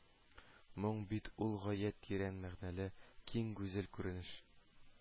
Моң бит ул гаять тирән мәгънәле, киң, гүзәл күренеш